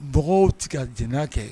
Mɔgɔw tɛ ka jɛnɛya kɛ